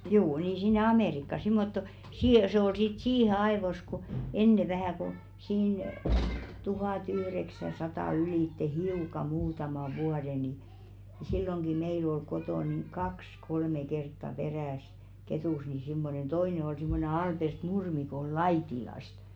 juu niin sinne Amerikkaan semmottoon - se oli sitten siihen ajoissa kun ennen vähän kun siinä tuhatyhdeksänsataa ylitse hiukan muutaman vuoden niin silloinkin meillä oli kotona niin kaksi kolme kertaa peräisin Ketussa niin semmoinen toinen oli semmoinen Albert Nurmi kun oli Laitilasta